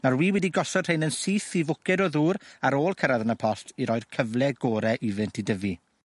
Nawr wi wedi gosod rhein yn syth i fwced o ddŵr ar ôl cyrradd yn y post i roi'r cyfle gore iddynt i dyfu.